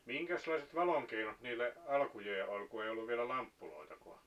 minkäslaiset valonkeinot niillä alkujaan oli kun ei ollut vielä lamppujakaan